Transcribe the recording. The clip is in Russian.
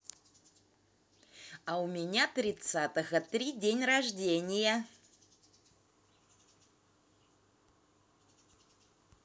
а у меня тридцатого три день рождения